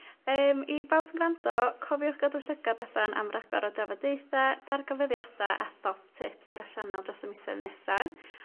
yym i bawb sy'n grando cofiwch gadw llygad allan am ragor o drafodaetha dargafyddiada a thop-tips ar y sianel dros y misoedd nesa.